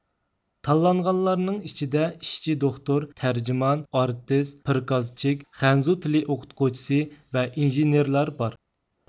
تاللانغانلارنىڭ ئىچىدە ئىشچى دوختۇر تەرجىمان ئارتىس پىركازچىك خەنزۇتىلى ئوقۇتقۇچىسى ۋە ئىنژېنېرلار بار